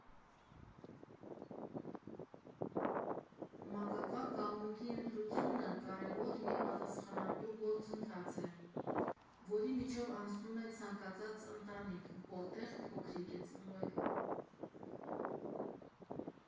Մանկական կահույքի ընտրությունը կարևոր և պատասխանատու գործընթաց է, որի միջով անցնում է ցանկացած ընտանիք, որտեղ փոքրիկ է ծնվելու։